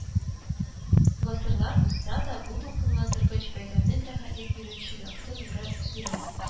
Гасырлар узса да, бу дулкынландыргыч бәйрәмнең рәхәтлек бирүче якты нуры сүрелми